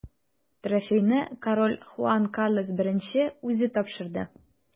Трофейны король Хуан Карлос I үзе тапшырды.